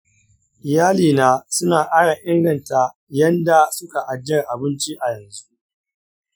iyali na suna kara inganta yanda suka ajjiyar abinci yanzu.